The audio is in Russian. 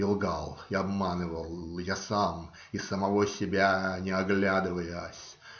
И лгал и обманывал я сам и самого себя, не оглядываясь.